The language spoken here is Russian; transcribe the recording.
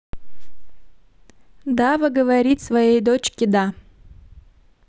дава говорит своей дочке да